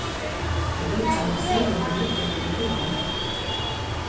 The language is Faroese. tey vitjaðu søguliga miðdepilin í róm